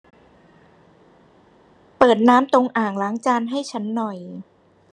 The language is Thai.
เปิดน้ำตรงอ่างล้างจานให้ฉันหน่อย